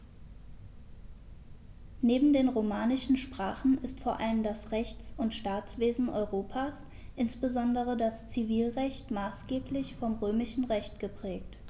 Neben den romanischen Sprachen ist vor allem das Rechts- und Staatswesen Europas, insbesondere das Zivilrecht, maßgeblich vom Römischen Recht geprägt.